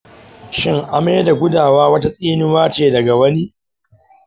shin amai da gudawa wata tsinuwa ce daga wani?